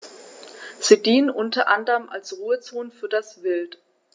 Sie dienen unter anderem als Ruhezonen für das Wild.